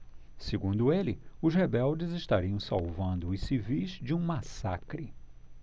segundo ele os rebeldes estariam salvando os civis de um massacre